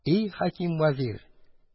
И хаким вәзир!